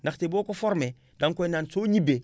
ndaxte boo ko formé da nga koy naan soo ñïbbee